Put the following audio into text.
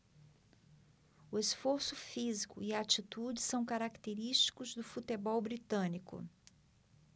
o esforço físico e a atitude são característicos do futebol britânico